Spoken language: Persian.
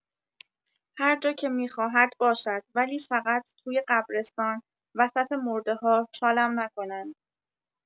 هر جا که می‌خواهد باشد، ولی فقط توی قبرستان، وسط مرده‌ها، چالم نکنند.